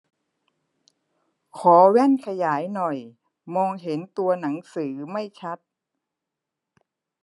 ขอแว่นขยายหน่อยมองเห็นตัวหนังสือไม่ชัด